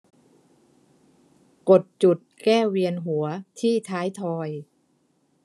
กดจุดแก้เวียนหัวที่ท้ายทอย